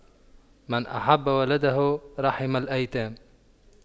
من أحب ولده رحم الأيتام